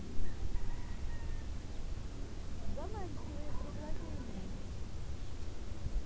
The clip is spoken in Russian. заманчивое предложение